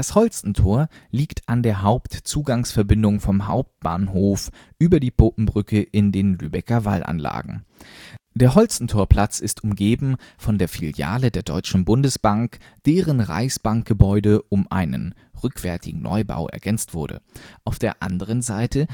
Holstentor liegt an der Hauptzugangsverbindung vom Hauptbahnhof in der Vorstadt St. Lorenz über die Puppenbrücke in den Lübecker Wallanlagen. Der Holstentorplatz ist umgeben von der Filiale der Deutschen Bundesbank, deren Reichsbankgebäude um einen rückwärtigen Neubau ergänzt wurde. Auf der anderen Seite